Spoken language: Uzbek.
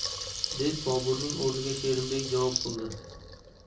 deb boburning o'rniga sherimbek javob qildi